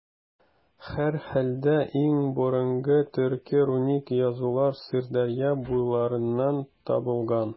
Һәрхәлдә, иң борынгы төрки руник язулар Сырдәрья буйларыннан табылган.